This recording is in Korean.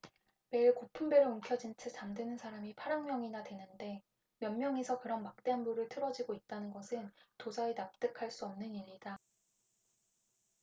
매일 고픈 배를 움켜쥔 채 잠드는 사람이 팔 억 명이나 되는데 몇 명이서 그런 막대한 부를 틀어쥐고 있다는 것은 도저히 납득할 수 없는 일이다